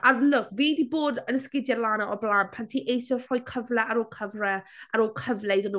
Ac look fi 'di bod yn esgidiau Lana o'r blaen pan ti eisiau rhoi cyfle ar ôl cyfle ar ôl cyfle iddyn nhw.